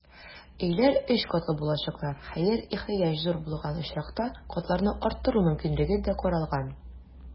Өйләр өч катлы булачаклар, хәер, ихтыяҗ зур булган очракта, катларны арттыру мөмкинлеге дә каралган.